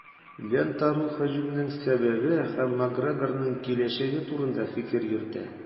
"лента.ру" һөҗүмнең сәбәбе һәм макгрегорның киләчәге турында фикер йөртә.